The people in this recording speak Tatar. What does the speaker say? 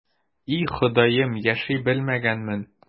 И, Ходаем, яши белмәгәнмен...